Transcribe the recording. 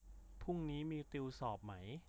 พรุ่งนี้มีติวสอบมั้ย